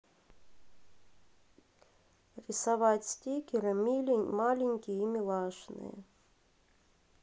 рисовать стикеры маленькие и милашные